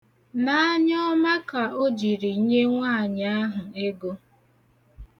N'anyọọma ka o jiri nye nwaanyị ahụ ego